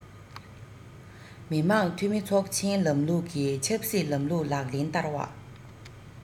མི དམངས འཐུས མི ཚོགས ཆེན ལམ ལུགས ཀྱི ཆབ སྲིད ལམ ལུགས ལག ལེན བསྟར བ